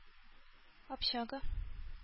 Общага